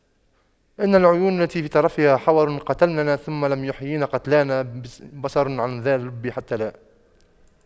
إن العيون التي في طرفها حور قتلننا ثم لم يحيين قتلانا يَصرَعْنَ ذا اللب حتى لا